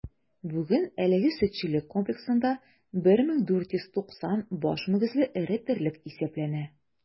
Бүген әлеге сөтчелек комплексында 1490 баш мөгезле эре терлек исәпләнә.